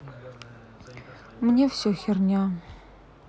мне все херня